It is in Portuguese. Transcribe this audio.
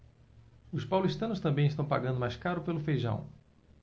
os paulistanos também estão pagando mais caro pelo feijão